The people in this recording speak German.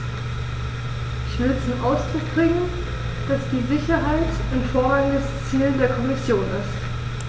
Ich will zum Ausdruck bringen, dass die Sicherheit ein vorrangiges Ziel der Kommission ist.